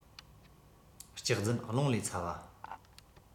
སྐྱག རྫུན རླུང ལས ཚ བ